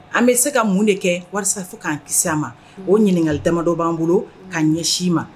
An bɛ se ka mun de kɛ walasa fo k'an kisi an ma o ɲininkakagali damadɔ b'an bolo k' ɲɛ si ma